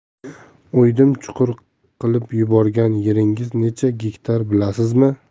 o'ydim chuqur qilib yuborgan yeringiz necha gektar bilasizmi